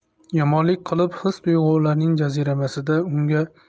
yomonlik qilib his tuyg'ularning jaziramasida unga